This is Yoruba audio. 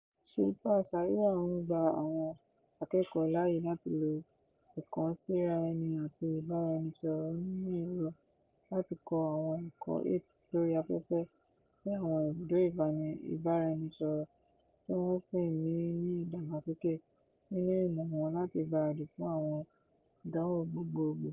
Shilpa Sayura ń gba àwọn akẹ́kọ̀ọ́ láyé láti lo ìkànsíraẹni àti ìbáraẹnisọ̀rọ̀ onímọ̀-ẹ̀rọ láti kọ́ àwọn ẹ̀kọ́ 8 lórí afẹ́fẹ́ ní àwọn ibùdó ìbáraẹnisọ̀rọ̀ tí wọ́n sì ń ní ìdàgbàsókè nínú ìmọ̀ wọn láti gbáradì fún àwọn ìdánwò gbogbogbò.